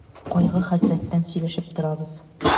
Кайгы-хәсрәттән сөйләшеп торабыз.